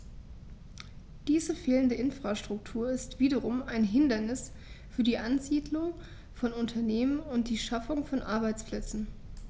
Diese fehlende Infrastruktur ist wiederum ein Hindernis für die Ansiedlung von Unternehmen und die Schaffung von Arbeitsplätzen.